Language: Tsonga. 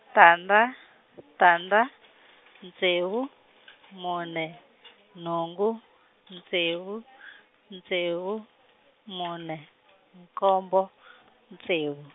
tandza , tandza, ntsevu, mune, nhungu, ntsevu , ntsevu, mune, nkombo , ntsevu.